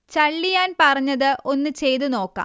ചള്ളിയാൻ പറഞ്ഞത് ഒന്ന് ചെയ്ത് നോക്കാം